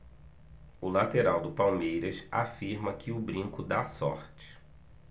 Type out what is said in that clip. o lateral do palmeiras afirma que o brinco dá sorte